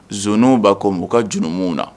Zw b'a ko b'u ka dununw na